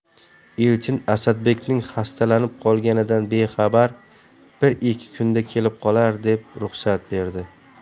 elchin asadbekning xastalanib qolganidan bexabar bir ikki kunda kelib qolar deb ruxsat berdi